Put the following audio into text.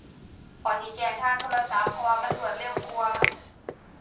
ข้อยสิแจ้งทางโทรศัพท์ เพราะว่ามันรวดเร็วกว่า